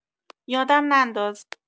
یادم ننداز